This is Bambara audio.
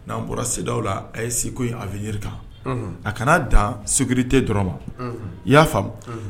N'an bɔra sedaw la a ye siko in a bɛ jiri ta a kana'a dan ste dɔrɔn ma i y'a faamumu